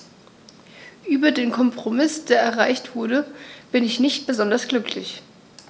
Über den Kompromiss, der erreicht wurde, bin ich nicht besonders glücklich.